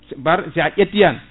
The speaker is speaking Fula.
bar si a ƴetti han